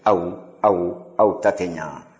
aw aw aw ta tɛ ɲɛ